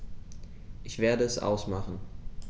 Ich werde es ausmachen